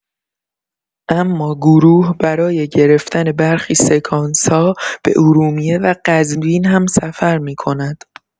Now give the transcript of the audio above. اما گروه برای گرفتن برخی سکانس‌ها به ارومیه و قزوین هم‌سفر می‌کند.